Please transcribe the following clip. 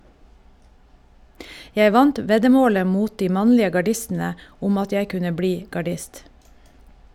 Jeg vant veddemålet mot de mannlige gardistene om at jeg kunne bli gardist.